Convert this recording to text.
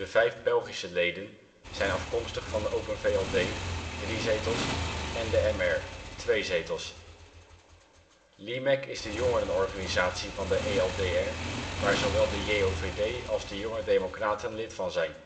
vijf Belgische leden zijn afkomstig van Open VLD (3 zetels) en de MR (2 zetels). LYMEC is de jongerenorganisatie van de ELDR, waar zowel de JOVD als de Jonge Democraten lid van zijn